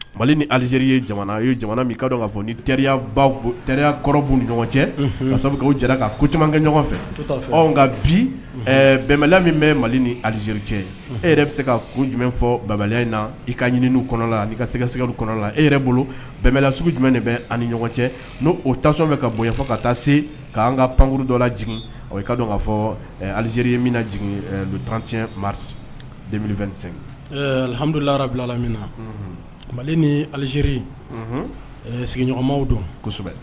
Mali ni aliziri ye jamana u ye jamana min kaa dɔn kaa fɔ ni teriya teriya kɔrɔ'u ni ɲɔgɔn cɛ ka jɛra ka ko caman kɛ ɲɔgɔn fɛ nka bi bɛnla min bɛ mali ni aliziri cɛ e yɛrɛ bɛ se ka kun jumɛn fɔ babɛlɛya in na i ka ɲini kɔnɔ la ani ka sɛgɛsɛdu kɔnɔ e yɛrɛ bolo bɛnbɛla sugu jumɛn de bɛ ani ni ɲɔgɔn cɛ n' o ta sɔn fɛ ka bonyayan fɔ ka taa se ka'an ka pankkuru dɔ la jigin o ka dɔn k kaa fɔ aliziri ye min jigindc mari2sɛn hamidularabila lam min na mali ni aliziri sigiɲɔgɔnma don kosɛbɛ